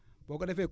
boo ko defee